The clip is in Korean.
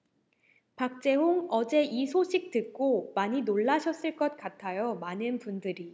박재홍 어제 이 소식 듣고 많이 놀라셨을 것 같아요 많은 분들이